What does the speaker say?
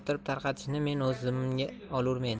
yoptirib tarqatishni men o'z zimmamga olurmen